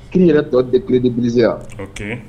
K kii yɛrɛ tɔ tɛ kelenledi bilisiz yan